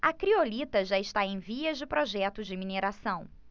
a criolita já está em vias de projeto de mineração